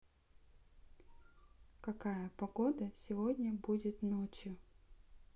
какая погода сегодня будет ночью